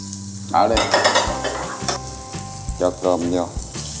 đảo lên cho cơm vô